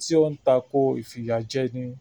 tí ó ń tako Ìfìyàjẹni (ACAT lédè Faransé).